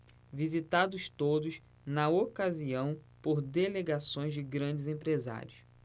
visitados todos na ocasião por delegações de grandes empresários